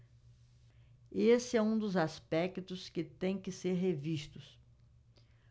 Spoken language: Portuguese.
esse é um dos aspectos que têm que ser revistos